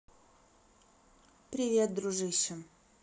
привет дружище